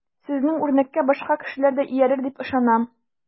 Сезнең үрнәккә башка кешеләр дә иярер дип ышанам.